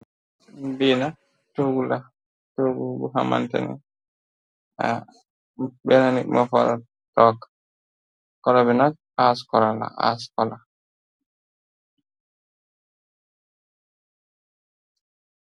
Binak ga toggu bu xamantani bennimaxora tokk kora binag aas korola aas kola.